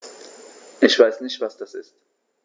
Ich weiß nicht, was das ist.